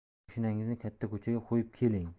moshinangizni katta ko'chaga qo'yib keling